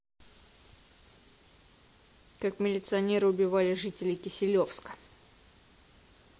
как милиционеры убивали жителей киселевска